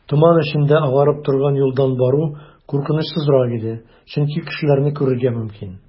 Томан эчендә агарып торган юлдан бару куркынычсызрак иде, чөнки кешеләрне күрергә мөмкин.